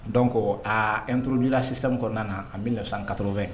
Donc a. introduit la système la en 1980.